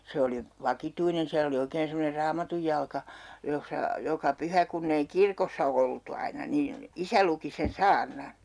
se oli vakituinen siellä oli oikein semmoinen raamatunjalka jossa joka pyhä kun ei kirkossa oltu aina niin isä luki sen saarnan